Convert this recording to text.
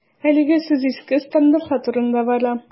Әлегә сүз иске стандартлар турында бара.